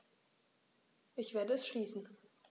Ich werde es schließen.